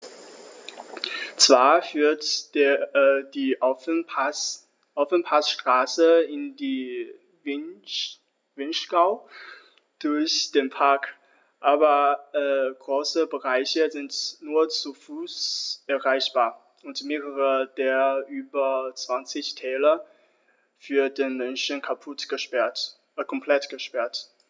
Zwar führt die Ofenpassstraße in den Vinschgau durch den Park, aber große Bereiche sind nur zu Fuß erreichbar und mehrere der über 20 Täler für den Menschen komplett gesperrt.